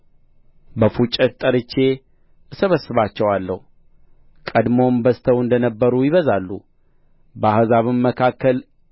በፉጨት ጠርቼ እሰበስባቸዋለሁ ቀድሞም በዝተው እንደ ነበሩ ይበዛሉ በአሕዛብም መካከል